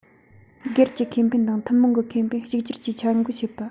སྒེར གྱི ཁེ ཕན དང ཐུན མོང གི ཁེ ཕན གཅིག གྱུར གྱིས འཆར འགོད བྱེད པ